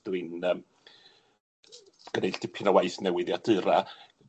Dwi'n yym gneud dipyn o waith newyddiadura.